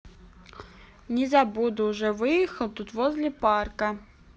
не забуду уже выехал тут возле парка